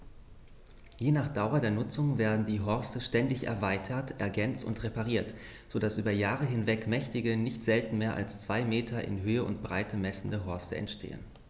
Je nach Dauer der Nutzung werden die Horste ständig erweitert, ergänzt und repariert, so dass über Jahre hinweg mächtige, nicht selten mehr als zwei Meter in Höhe und Breite messende Horste entstehen.